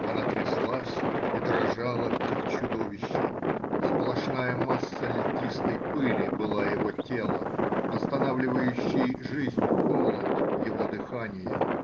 она тряслась и дрожала, как чудовище,— сплошная масса льдистой пыли была его тело, останавливающий жизнь холод — его дыхание.